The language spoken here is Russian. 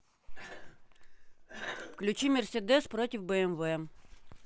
включи мерседес против бмв